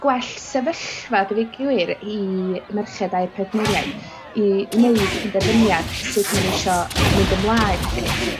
gwell sefyllfa dweu gwir i merched a'u partneriaid i wneud penderfyniad sud ma' n'w isio mynd ymlaen 'lly.